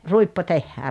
ruippo tehdään